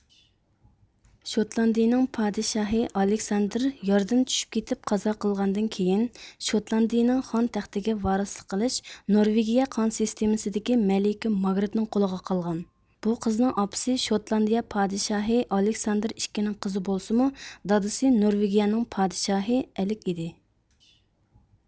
شوتلاندىيىنىڭ پادىشاھى ئالىكساندىر ياردىن چۈشۈپ كىتىپ قازا قىلغاندىن كىيىن شوتلاندىيىنىڭ خان تەختىگە ۋارسلىق قىلىش نورۋېگىيە قان سىسىتىمىسىدىكى مەلىكە ماگرىتنىڭ قولىغا قالغان بۇ قىزنىڭ ئاپىسى شوتلاندىيە پادىشاھى ئالىكساندىر ئىككى نىڭ قىزى بولسىمۇ دادىسى نورۋېگىيەنىڭ پادىشاھى ئەلىك ئىدى